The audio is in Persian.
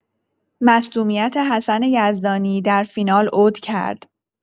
مصدومیت حسن یزدانی در فینال عود کرد